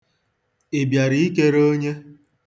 Ị bịara ikere onye?